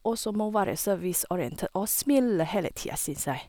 Og så må være serviceorientert og smile hele tida, syns jeg.